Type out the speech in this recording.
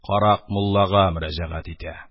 Карак муллага мөрәҗәгать итә.